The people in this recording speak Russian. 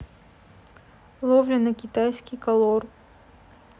ловля на китайский колор